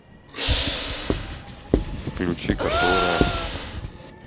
включи которая